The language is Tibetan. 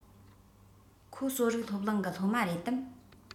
ཁོ གསོ རིག སློབ གླིང གི སློབ མ རེད དམ